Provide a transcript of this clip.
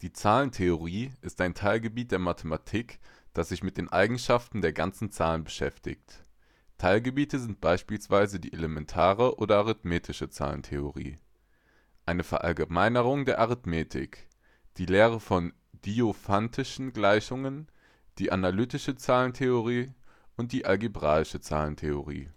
Zahlentheorie ist ein Teilgebiet der Mathematik, das sich mit den Eigenschaften der ganzen Zahlen beschäftigt. Teilgebiete sind beispielsweise die elementare oder arithmetische Zahlentheorie – eine Verallgemeinerung der Arithmetik, die Lehre von den Diophantischen Gleichungen, die analytische Zahlentheorie und die algebraische Zahlentheorie